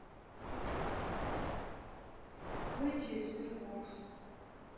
выйти из sberbox